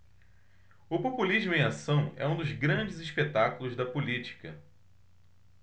o populismo em ação é um dos grandes espetáculos da política